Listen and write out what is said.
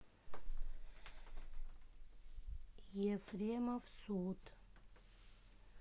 ефремов суд